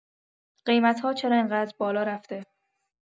قیمت‌ها چرا اینقدر بالا رفته؟